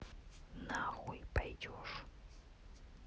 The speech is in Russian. на хуй пойдешь